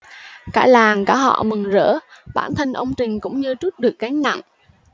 cả làng cả họ mừng rỡ bản thân ông trình cũng như trút được gánh nặng